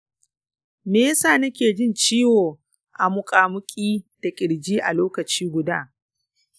me ya sa nake jin ciwo a muƙamuƙi da kirjina a lokaci guda?